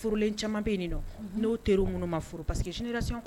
Furulen caman bɛ nin n'o teri mun ma furu paseke